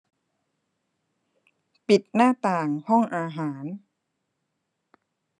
ปิดหน้าต่างห้องอาหาร